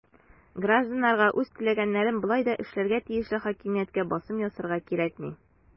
Гражданнарга үз теләгәннәрен болай да эшләргә тиешле хакимияткә басым ясарга кирәкми.